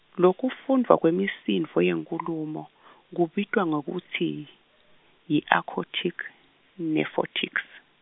Lokufundvwa kwemisindvo yenkhulumo, kubitwa ngekutsi yi-accoutic nephonetics.